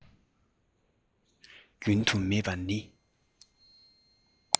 བསྒྲུན དུ མེད པ ནི